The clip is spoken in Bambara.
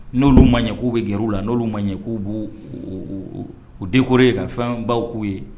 N'olu ma ɲɛ k'u bɛ gɛr'u la n'olu ma ɲɛ k'u b'u u décoré ka fɛnbaw k'u ye